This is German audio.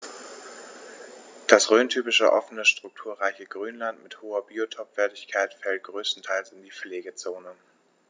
Das rhöntypische offene, strukturreiche Grünland mit hoher Biotopwertigkeit fällt größtenteils in die Pflegezone.